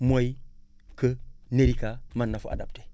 mooy que nerica mën na fa adapté